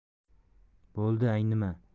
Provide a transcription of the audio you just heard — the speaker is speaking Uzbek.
bo'ldi aynima